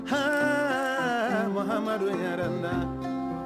H mahamadu yɛrɛ la